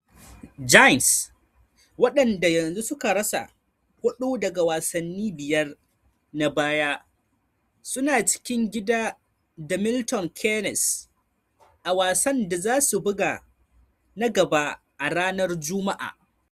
Giants, waɗanda yanzu suka rasa hudu daga wasanni biyar na baya, su na cikin gida da Milton Keynes a wasan da za su buga na gaba a ranar Jumma'a.